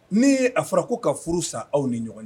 Ne a fɔra ko ka furu san aw ni ɲɔgɔn ye